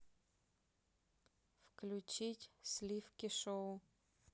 включить сливки шоу